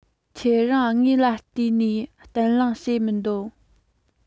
ཁྱེད རང ངོས ལ ལྟོས ནས གཏམ གླེང བྱེད མི འདོད